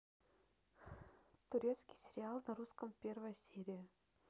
турецкий сериал на русском первая серия